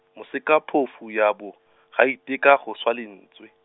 Mosekaphofu yabo, ga a iteke go swa lentswe.